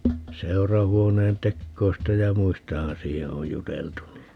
seurahuoneen teoista ja muistahan siihen on juteltu niin